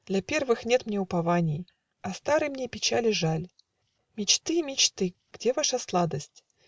Для первых нет мне упований, А старой мне печали жаль. Мечты, мечты! где ваша сладость?